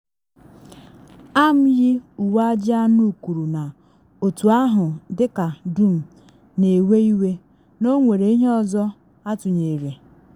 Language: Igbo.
AM Yi Uwe Ajị Anụ kwuru na otu ahụ dị ka dum “na ewe iwe”, na ọ nwere ihe ndị ọzọ atụnyere.